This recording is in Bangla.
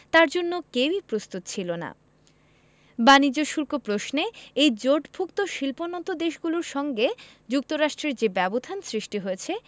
তার জন্য কেউই প্রস্তুত ছিল না বাণিজ্য শুল্ক প্রশ্নে এই জোটভুক্ত শিল্পোন্নত দেশগুলোর সঙ্গে যুক্তরাষ্ট্রের যে ব্যবধান সৃষ্টি হয়েছে